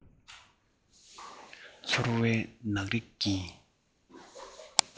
ཚོར བའི ནག རིས ཀྱི